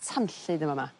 tanllyd yn fy' 'ma.